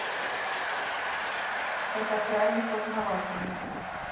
это крайне познавательно